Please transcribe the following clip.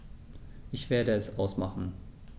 Ich werde es ausmachen